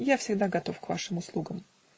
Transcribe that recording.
я всегда готов к вашим услугам".